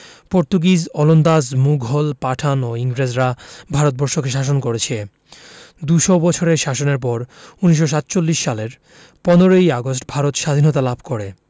Portuguese ওলন্দাজ মুঘল পাঠান ও ইংরেজরা ভারত বর্ষকে শাসন করেছে দু'শ বছরের শাসনের পর ১৯৪৭ সালের ১৫ ই আগস্ট ভারত সাধীনতা লাভ করে